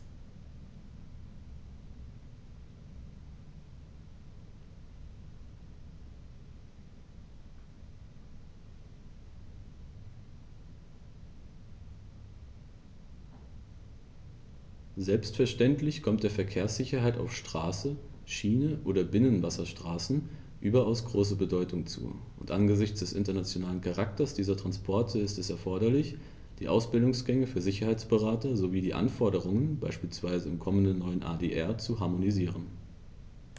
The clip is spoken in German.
Selbstverständlich kommt der Verkehrssicherheit auf Straße, Schiene oder Binnenwasserstraßen überaus große Bedeutung zu, und angesichts des internationalen Charakters dieser Transporte ist es erforderlich, die Ausbildungsgänge für Sicherheitsberater sowie die Anforderungen beispielsweise im kommenden neuen ADR zu harmonisieren.